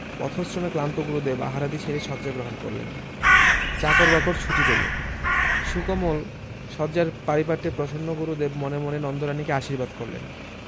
পথশ্রমে ক্লান্ত গুরুদেব আহারাদি সেরে শয্যা গ্রহণ করলেন চাকর বাকর ছুটি পেলে সুকোমল শয্যার পারিপাট্যে প্রসন্ন গুরুদেব মনে মনে নন্দরানীকে আশীর্বাদ করলেন